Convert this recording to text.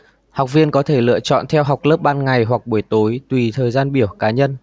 học viên có thể lựa chọn theo học lớp ban ngày hoặc buổi tối tùy thời gian biểu cá nhân